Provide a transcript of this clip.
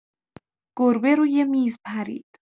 گربه روی میز پرید.